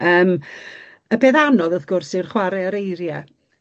Yym y peth anodd wrth gwrs yw'r chware ar eirie.